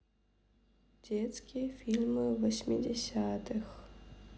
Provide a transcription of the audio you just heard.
детские фильмы восьмидесятых